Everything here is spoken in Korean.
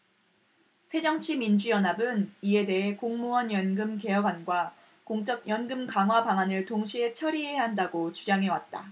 새정치민주연합은 이에 대해 공무원연금 개혁안과 공적연금 강화방안을 동시에 처리해야 한다고 주장해왔다